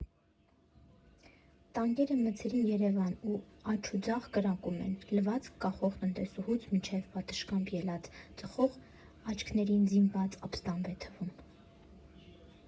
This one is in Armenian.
Տանկերը մտցրին Երևան ու աջուձախ կրակում են՝ լվացք կախող տնտեսուհուց մինչև պատշգամբ ելած ծխող աչքներին զինված աբստամբ է թվում։